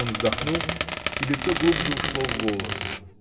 Он вздохнул, и лицо глубже ушло в волосы.